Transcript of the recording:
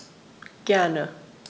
Gerne.